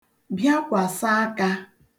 bịakwàsa akā